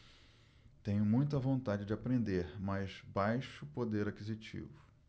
tenho muita vontade de aprender mas baixo poder aquisitivo